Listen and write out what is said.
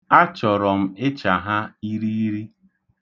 Achọrọ m ịcha ha irighiri.